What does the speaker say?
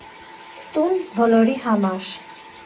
Տուն բոլորի համար։